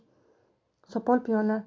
sopol piyola